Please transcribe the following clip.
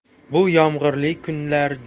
bu yomg'irli kunlar